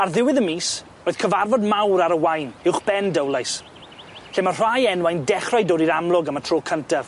Ar ddiwedd y mis roedd cyfarfod mawr ar y Waun uwchben Dowlais lle ma' rhai enwau'n dechrau dod i'r amlwg am y tro cyntaf.